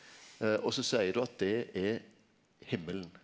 og så seier du at det er himmelen.